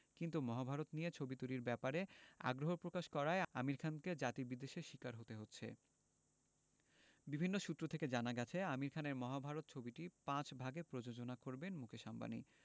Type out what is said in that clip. কিন্তু মহাভারত নিয়ে ছবি তৈরির ব্যাপারে আগ্রহ প্রকাশ করায় আমির খানকে জাতিবিদ্বেষের শিকার হতে হচ্ছে বিভিন্ন সূত্র থেকে জানা গেছে আমির খানের মহাভারত ছবিটি পাঁচ ভাগে প্রযোজনা করবেন মুকেশ আম্বানি